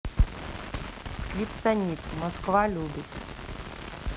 скриптонит москва любит